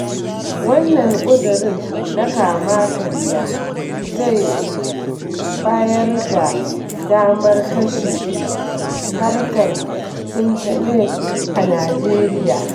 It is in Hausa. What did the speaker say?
Wanna ƙudurin na kama-karya zai bayar da damar kashe harkar intanet a Najeriya.